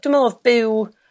dwi meddwl o'dd byw